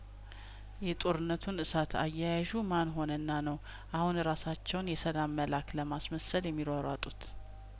የጦርነቱን እሳት አያያዡ መንሆንና ነው አሁን እራሳቸውን የሰላም መላክ ለማስመሰል የሚሯሯጡት